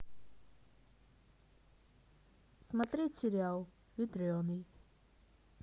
смотреть сериал ветреный